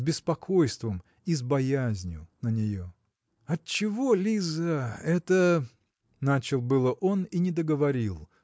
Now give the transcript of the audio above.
с беспокойством и с боязнью на нее. – Отчего, Лиза, это. – начал было он и не договорил